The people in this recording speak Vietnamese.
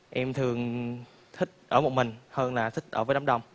em thường thích ở một mình hơn là thích ở với đám đông